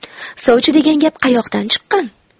sovchi degan gap qayoqdan chiqqan